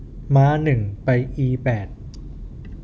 ม้าหนึ่งไปอีแปด